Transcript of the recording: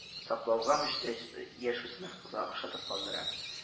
Саклауга моҗтәҗ яшүсмер кызга охшатып калдыра